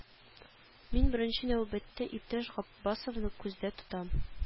Мин беренче нәүбәттә иптәш габбасовны күздә тотам